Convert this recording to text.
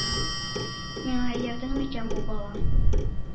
Миңа иярде микән бу бала?..